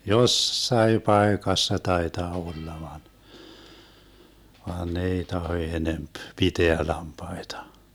jossakin paikassa taitaa olla vaan vaan ne ei tahdo enempi pitää lampaita